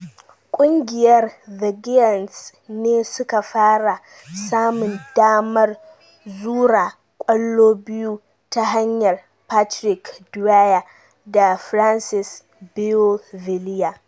Kungiyar The Giants ne suka fara samun damar zura kwallo biyu ta hanyar Patrick Dwyer da Francis Beauvillier.